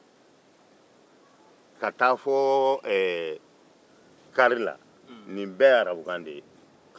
ka taa fo kari la nin bɛɛ ye arabukan de ye